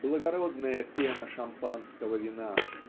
благородная пена шампанского вина.